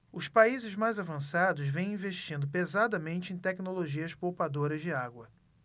os países mais avançados vêm investindo pesadamente em tecnologias poupadoras de água